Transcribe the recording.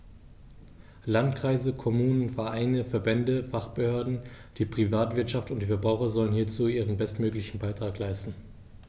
Landkreise, Kommunen, Vereine, Verbände, Fachbehörden, die Privatwirtschaft und die Verbraucher sollen hierzu ihren bestmöglichen Beitrag leisten.